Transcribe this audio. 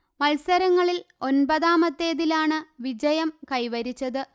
മത്സരങ്ങളിൽ ഒന്പതാമത്തേതിലാണ് വിജയം കൈവരിച്ചത്